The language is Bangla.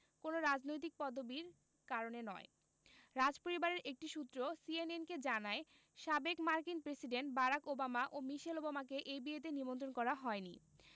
কোনো রাজনৈতিক পদবির কারণে নয় রাজপরিবারের একটি সূত্র সিএনএনকে জানায় সাবেক মার্কিন প্রেসিডেন্ট বারাক ওবামা ও মিশেল ওবামাকে এই বিয়েতে নিমন্ত্রণ করা হয়নি